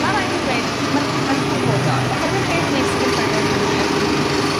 Ma' rai' fi ddweud ma'r ma'n hanfodol oherwydd beth wnes i fynd trwyddo llynedd